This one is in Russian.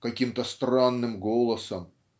каким-то странным голосом